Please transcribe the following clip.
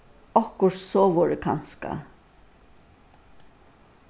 okkurt sovorðið kanska